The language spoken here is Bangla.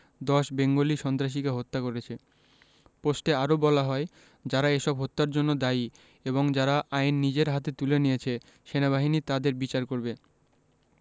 ১০ বেঙ্গলি সন্ত্রাসীকে হত্যা করেছে পোস্টে আরো বলা হয় যারা এসব হত্যার জন্য দায়ী এবং যারা আইন নিজের হাতে তুলে নিয়েছে সেনাবাহিনী তাদের বিচার করবে